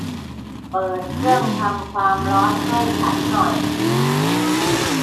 เปิดเครื่องทำความร้อนให้ฉันหน่อย